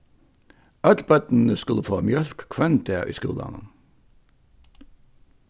øll børnini skulu fáa mjólk hvønn dag í skúlanum